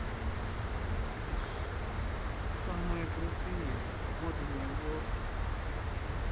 самые крутые водные горки